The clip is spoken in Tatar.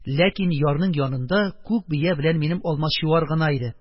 Ләкин ярның янында күк бия белән минем алмачуар гына иде,